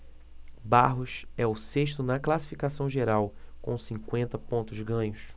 barros é o sexto na classificação geral com cinquenta pontos ganhos